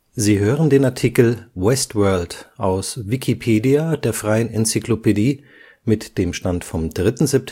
Sie hören den Artikel Westworld, aus Wikipedia, der freien Enzyklopädie. Mit dem Stand vom Der